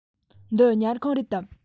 འདི ཉལ ཁང རེད དམ